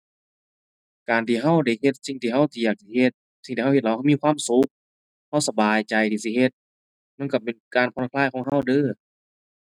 การที่เราได้เฮ็ดสิ่งที่เราจิอยากสิเฮ็ด สิ่งที่เราเฮ็ดแล้วเรามีความสุข เราสบายใจที่สิเฮ็ด มันเราเป็นการผ่อนคลายของเราเด้อ